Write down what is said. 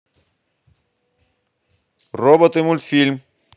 роботы мультфильм